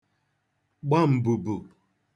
gba m̀bùbù